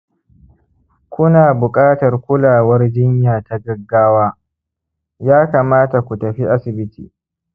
ku na buƙatar kulawar jinya ta gaggawa, ya kamata ku tafi asibiti